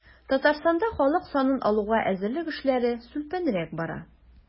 Татарстанда халык санын алуга әзерлек эшләре сүлпәнрәк бара.